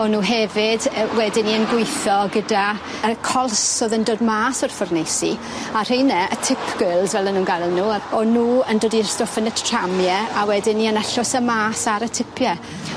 O'n nw hefyd yy wedyn 'ny yn gweitho gyda y cors o'dd yn dod mas o'r ffwrneisi a rheine y tip girls fel o'n nw'n galw nw yy o'n nw yn dodi'r stwff yn y tramie a wedyn 'ny yn allws e mas ar y tipie.